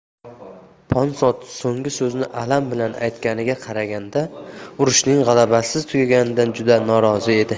ponsod so'nggi so'zni alam bilan aytganiga qaraganda urushning g'alabasiz tugaganidan juda norozi edi